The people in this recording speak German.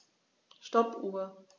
Stoppuhr.